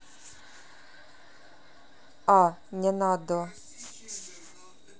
а не надо